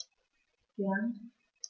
Gern.